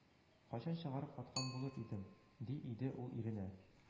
Кайчан чыгарып аткан булыр идем, – ди иде ул иренә